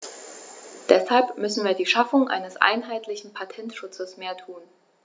Deshalb müssen wir für die Schaffung eines einheitlichen Patentschutzes mehr tun.